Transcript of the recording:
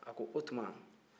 a ko o tuma